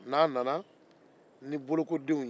n'a nana ni bolokodenw ye